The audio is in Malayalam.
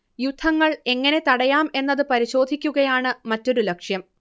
യുദ്ധങ്ങൾ എങ്ങനെ തടയാം എന്നത് പരിശോധിക്കുകയാണ് മറ്റൊരു ലക്ഷ്യം